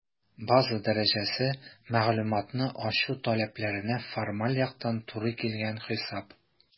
«база дәрәҗәсе» - мәгълүматны ачу таләпләренә формаль яктан туры килгән хисап.